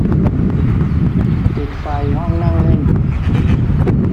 ปิดไฟห้องนั่งเล่น